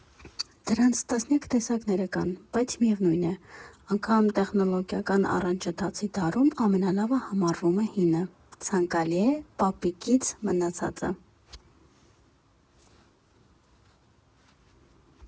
Դրանց տասնյակ տեսակներ կան, բայց միևնույն է, անգամ տեխնոլոգիական առաջընթացի դարում, ամենալավը համարվում է հինը, ցանկալի է՝ պապիկից մնացածը։